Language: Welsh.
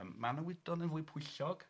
...yym Manawydon yn fwy pwyllog,